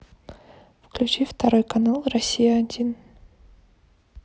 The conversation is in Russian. включить второй канал россия один